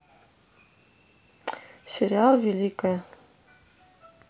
сериал великая